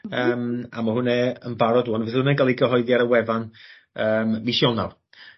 Yym a ma' hwnne yn barod ŵan fydd hwnne'n ga'l 'i gyhoeddi ar y wefan ym mis Ionawr.